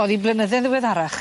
O'dd 'i'n flynydde ddiweddarach.